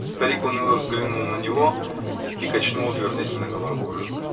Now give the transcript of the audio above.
Старик уныло взглянул на него -- и качнул утвердительно головою.